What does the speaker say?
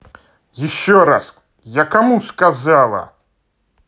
еще раз я кому сказала